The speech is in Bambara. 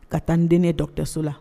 Ka taa n dennin ye dɔgɔtɔrɔso la.